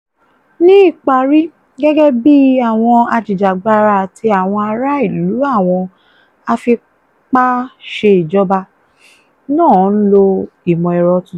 Ní ìparí, gẹ́gẹ́ bíi àwọn ajìjàgbara àti àwọn ará-ìlú, àwọn afipáṣèjọba náà ń lo ìmọ̀-ẹ̀rọ tuntun.